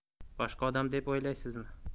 boshqa odam deb o'ylaysizmi